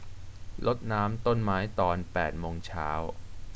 รดน้ำต้นไม้ตอนแปดโมงเช้า